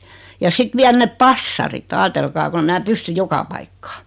ja sitten vielä ne passarit ajatelkaa kun en minä pysty joka paikkaan